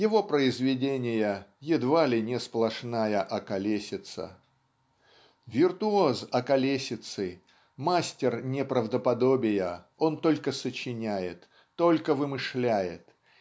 Его произведения - едва ли не сплошная околесица. Виртуоз околесицы мастер неправдоподобия он только сочиняет только вымышляет